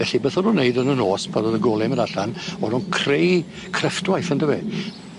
felly beth o'n nw'n neud yn y nos pan o'dd y gole'n myn' allan o'n nw'n creu creftwaith on'd yfe?